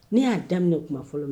Ne y'a daminɛ kuma fɔlɔ mɛn